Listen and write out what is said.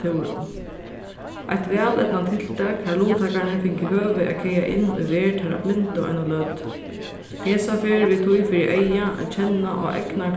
túrinum eitt væleydnað tiltak har luttakararnir fingu høvið at kaga inn í verð teirra blindu eina løtu hesa ferð við tí fyri eyga at kenna á egnan